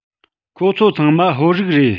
ཁོ ཚོ ཚང མ ཧོར རིགས རེད